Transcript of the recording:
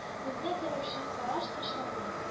Үзенә таләпчән караш ташлады